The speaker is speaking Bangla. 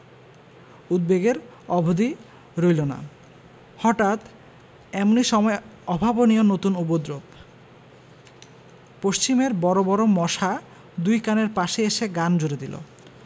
উদ্বেগের অবধি রইল না হঠাৎ এমনি সময় অভাবনীয় নতুন উপদ্রব পশ্চিমের বড় বড় মশা দুই কানের পাশে এসে গান জুড়ে দিলে